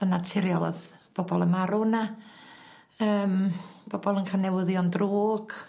yn naturiol o'dd bobol yn marw yna yym bobol yn ca'l newyddion drwg